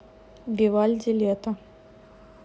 вивальди лето